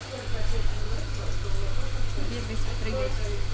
бегать прыгать